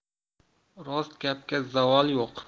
rost gapga zavol yo'q